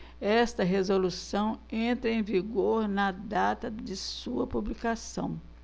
esta resolução entra em vigor na data de sua publicação